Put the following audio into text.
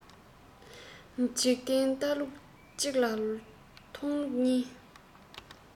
འཇིག རྟེན ལྟ ལུགས གཅིག ལ མཐོང ལུགས གཉིས